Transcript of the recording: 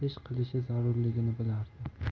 bir ish qilish zarurligini bilardi